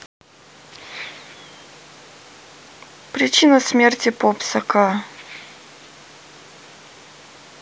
причина смерти попса ка